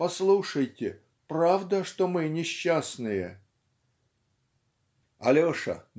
"Послушайте, правда, что мы несчастные?" Алеша